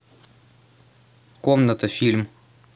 комната фильм